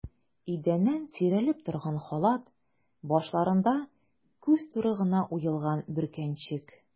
Идәннән сөйрәлеп торган халат, башларында күз туры гына уелган бөркәнчек.